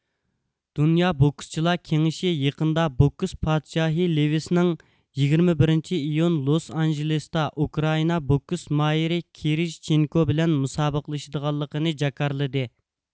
دۇنيا بوكسچىلار كېڭىشى يېقىندا بوكس پادىشاھى لېۋېسنىڭ يىگىرمە بىرىنچى ئىيۇن لوس ئانژېلىستا ئۇكرائىنا بوكس ماھىرى كىرىژچېنكو بىلەن مۇسابىقىلىشىدىغانلىقىنى جاكارلىدى